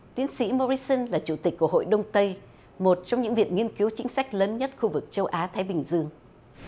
tiến sĩ mô ri sưn là chủ tịch hội đông tây một trong những viện nghiên cứu chính sách lớn nhất khu vực châu á thái bình dương